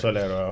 solaire waaw